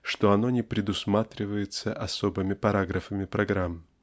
что оно не предусматривается особыми параграфами программ.